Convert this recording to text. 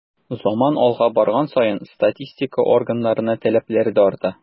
Заман алга барган саен статистика органнарына таләпләр дә арта.